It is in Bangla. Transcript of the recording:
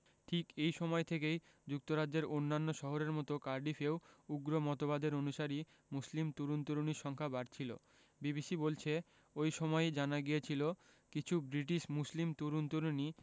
ঠিক এই সময় থেকেই যুক্তরাজ্যের অন্যান্য শহরের মতো কার্ডিফেও উগ্র মতবাদের অনুসারী মুসলিম তরুণ তরুণীর সংখ্যা বাড়ছিল বিবিসি বলছে ওই সময়ই জানা গিয়েছিল কিছু ব্রিটিশ মুসলিম তরুণ তরুণী